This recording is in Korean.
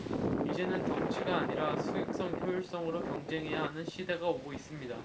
이제는 덩치가 아니라 수익성 효율성으로 경쟁해야 하는 시대가 오고 있습니다